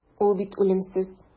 Ул бит үлемсез.